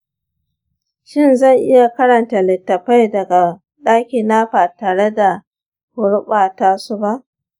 shin zan iya karanta littattafai daga ɗakina ba tare da gurɓata su ba?